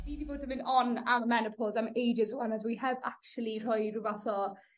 Fi 'di bod yn mynd on am y menopos am ages ŵan a dwi heb actually rhoi rhyw fath o